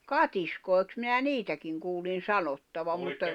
katiskoiksi minä niitäkin kuulin sanottavan mutta